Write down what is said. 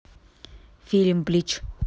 фильм блич